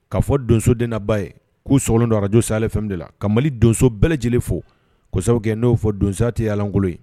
K kaa fɔ donso denba ye k'u sogolon dɔraj salen fɛn de la ka mali donso bɛɛ lajɛlenele fo kɔsa kɛ n'o fɔ donsosa tɛ'lankolon ye